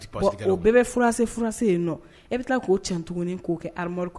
O bɛɛ bɛ froisé, froisé ye nin nɔ, inbɛ tila k'o cɛ ka fili armoir kɔnɔ.